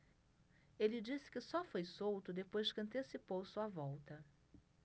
ele disse que só foi solto depois que antecipou sua volta